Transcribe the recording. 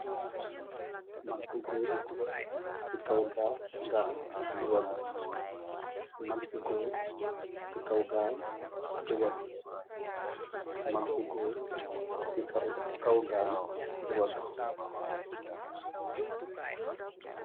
Mag bu gór ci kaw gal di wagg.